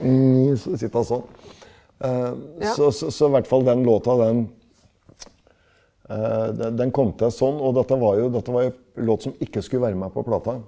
sitte sånn så så så hvert fall den låta den den den kom til sånn og dette var jo dette var jo låt som ikke skulle være med på plata.